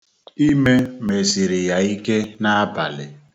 Ime mesiri ya ike n'abalị.